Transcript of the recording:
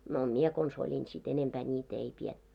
no minä konsa olin sitten enempää niitä ei pidetty